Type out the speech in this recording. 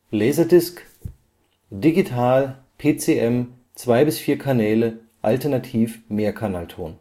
LD: Digital, PCM, 2 – 4 Kanäle, alternativ Mehrkanalton